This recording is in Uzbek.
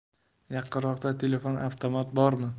yaqinroqda telefonavtomat bormi